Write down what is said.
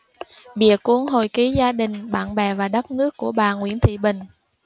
bìa cuốn hồi ký gia đình bạn bè và đất nước của bà nguyễn thị bình